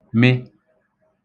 mị